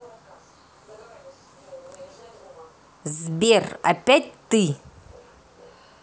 сбер опять ты